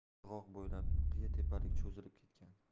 qirg'oq bo'ylab qiya tepalik cho'zilib ketgan